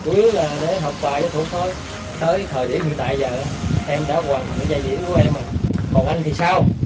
chủ yếu là để học bài cho thuộc thôi tới thời điểm hiện tại giờ á em đã hoàn thành cái vai diễn của em rồi còn anh thì sao